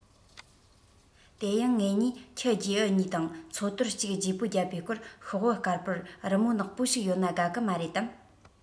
དེ ཡང ངེད གཉིས ཁྱི རྒྱའུ གཉིས དང མཚོ དོར གཅིག བརྗེ པོ བརྒྱབ པའི སྐོར ཤོག བུ དཀར པོར རི མོ ནག པོ ཞིག ཡོད ན དགའ གི མ རེད དམ